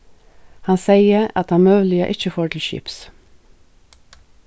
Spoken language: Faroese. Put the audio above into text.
hann segði at hann møguliga ikki fór til skips